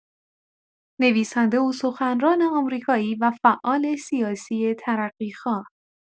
نویسنده و سخنران آمریکایی و فعال سیاسی ترقی‌خواه